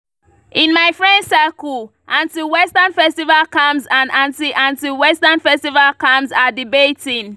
In my friend circle, anti-Western festival camps and anti-anti Western festival camps are debating.